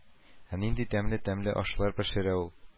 Ә нинди тәмле тәмле ашлар пешерә ул